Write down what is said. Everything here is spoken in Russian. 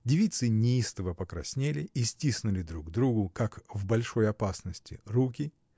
девицы неистово покраснели и стиснули друг другу, как в большой опасности, руки